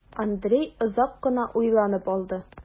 Андрей озак кына уйланып алды.